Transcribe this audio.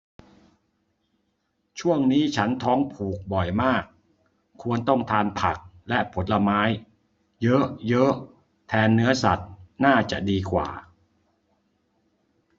ช่วงนี้ฉันท้องผูกบ่อยมากควรต้องทานผักและผลไม้เยอะเยอะแทนเนื้อสัตว์น่าจะดีกว่า